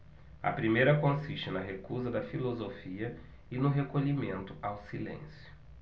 a primeira consiste na recusa da filosofia e no recolhimento ao silêncio